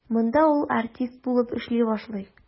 Монда ул артист булып эшли башлый.